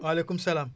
waaleykum salaam